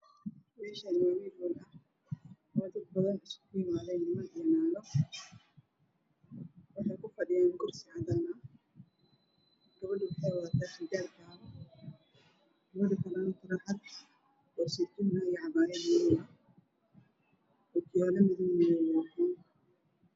Meshani waa meel hool ah oo dad badan iskugu imadeen niman iyo naago waxey ku fadhuyaan kursi cadaana sh gabsdha waxey wadaa capitaan jaalo taraaxad sey tun ah iyo capayad madow ah okiyaala madow ah ayey wadataa